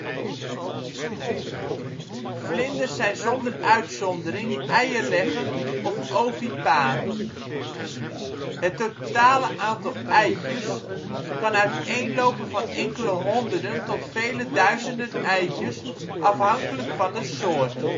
Vlinders zijn zonder uitzondering eierleggend of ovipaar. Het totale aantal eitjes kan uiteenlopen van enkele honderden tot vele duizenden eitjes, afhankelijk van de soort